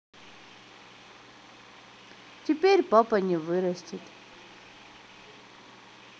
теперь папа не вырастит